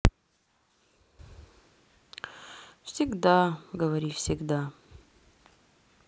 всегда говори всегда